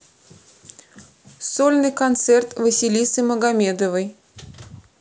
сольный концерт василины магомедовой